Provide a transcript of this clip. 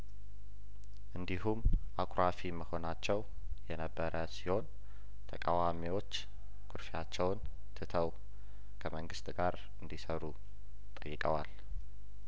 እንዲሁም አኩራፊ መሆናቸው የነበረ ሲሆን ተቃዋሚዎች ኩርፊያቸውን ትተው ከመንግስት ጋር እንዲሰሩ ጠይቀዋል